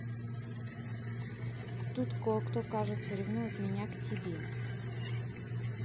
тут кое кто кажется ревнует меня к тебе